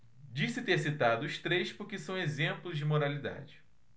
disse ter citado os três porque são exemplos de moralidade